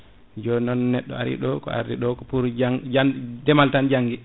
jonnon neɗɗo ari ɗo ko arde ɗo pour jang *deemal tan janggui